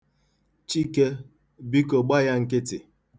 Chike, biko gba ya nkịtị.